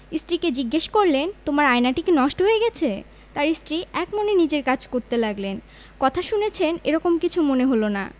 স্ত্রীকে জিজ্ঞেস করলেন তোমার আয়নাটা কি নষ্ট হয়ে গেছে তাঁর স্ত্রী একমনে নিজের কাজ করতে লাগলেন কথা শুনেছেন এ রকম কিছু মনে হলো না